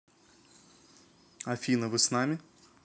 афина вы с нами